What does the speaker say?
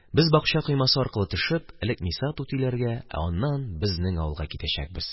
Без, бакча коймасы аркылы төшеп, элек Ниса түтиләргә, ә аннан безнең авылга китәчәкбез.